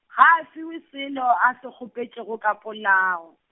ga a fiwe selo a se kgopetšego ka polao.